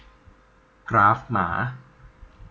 กราฟหมา